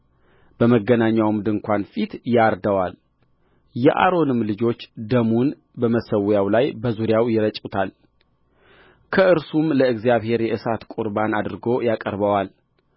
በመገናኛውም ድንኳን ፊት ያርደዋል የአሮንም ልጆች ደሙን በመሠዊያው ላይ በዙሪያው ይረጩታልከእርሱም ለእግዚአብሔር የእሳት ቍርባን አድርጎ ያቀርበዋል